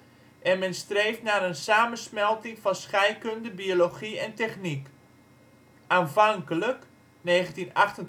en men streeft naar een samensmelting van scheikunde, biologie en techniek. Aanvankelijk (1988 tot 2000) dacht